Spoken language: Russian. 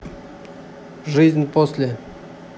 жизнь после